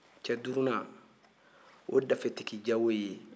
cɛ duurunan o ye dafetigi jawoyi ye